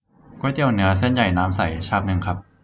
ก๋วยเตี๋ยวเนื้อเส้นใหญ่น้ำใสชามนึงครับ